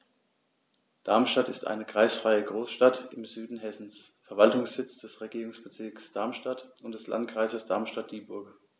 Darmstadt ist eine kreisfreie Großstadt im Süden Hessens, Verwaltungssitz des Regierungsbezirks Darmstadt und des Landkreises Darmstadt-Dieburg.